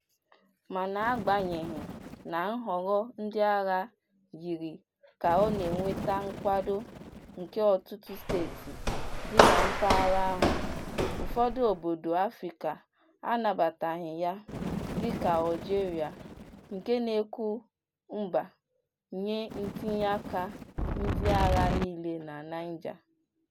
Mana agbanyeghị na nhọrọ ndịagha yiri ka ọ na-enweta nkwado nke ọtụtụ steeti dị na mpaghara ahụ, ụfọdụ obodo Afrịka anabataghị ya, dịka Algeria, nke na-ekwu 'mba' nye ntinyeaka ndịagha niile na Niger.